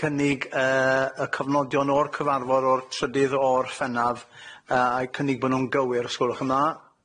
gynnig yy y cofnodion o'r cyfarfod o'r trydydd o Orffennaf yy, a'u cynnig bo' nw'n gywir os gwelwch yn dda.